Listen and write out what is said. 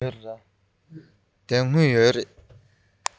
དེ སྔ ཡོད རེད